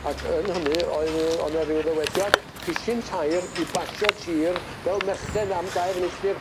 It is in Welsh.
ac yn hynny oedd yy o' 'ne ryw ddywediad pisyn tair i basio tir fel mellten am dair milltir.